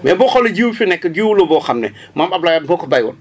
mais boo xoolee jiw yi fi nekk jiw la boo xam ne maam abdoulaye wade moo ko bàyyi woon